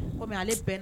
Kɔmi ale bɛn